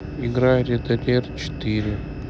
игра редолерт четыре